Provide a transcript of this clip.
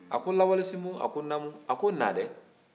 a ko lawale sinbo a ko naamu a ko na dɛ